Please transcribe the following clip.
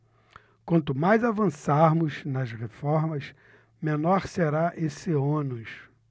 quanto mais avançarmos nas reformas menor será esse ônus